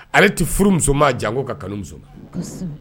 Ale tɛ furu muso' jango ka kanu